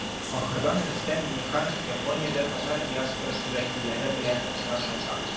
Ахырдан Рөстәм Миңнеханов Япониядә татар диаспорасы вәкилләре белән очрашачак.